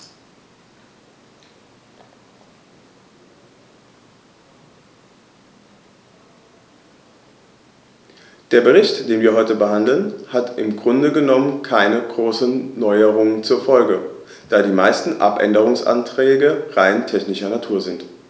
Der Bericht, den wir heute behandeln, hat im Grunde genommen keine großen Erneuerungen zur Folge, da die meisten Abänderungsanträge rein technischer Natur sind.